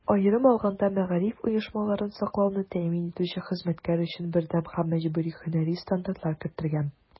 Аерым алганда, мәгариф оешмаларын саклауны тәэмин итүче хезмәткәр өчен бердәм һәм мәҗбүри һөнәри стандартлар кертергә.